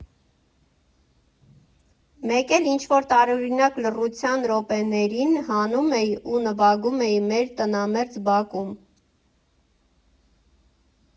Մեկ էլ ինչ֊որ տարօրինակ լռության րոպեներին հանում էի ու նվագում էի մեր տնամերձ բակում.